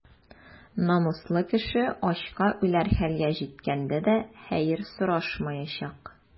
Намуслы кеше ачка үләр хәлгә җиткәндә дә хәер сорашмаячак.